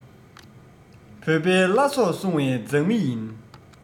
བོད པའི བླ སྲོག སྲུང བའི མཛངས མི ཡིན